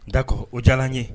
Dakɔ o diyara n ye